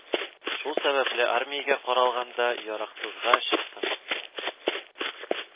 Шул сәбәпле армиягә каралганда яраксызга чыктым